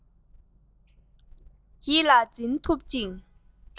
ཡིད ལ འཛིན ཐུབ ཅིང